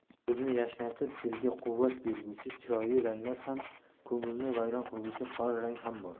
ko'zni yashnatib dilga quvvat berguchi chiroyli ranglar ham ko'ngilni vayron qilguchi qora rang ham bor